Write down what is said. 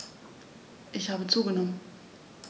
Ich habe zugenommen.